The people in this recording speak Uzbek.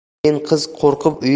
keyin qiz qo'rqib